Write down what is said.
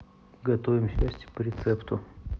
готовим счастье по рецепту